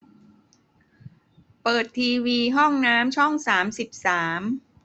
เปิดทีวีห้องน้ำช่องสามสิบสาม